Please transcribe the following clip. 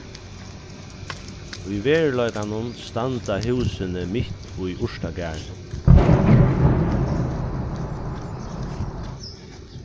í veruleikanum standa húsini mitt í urtagarðinum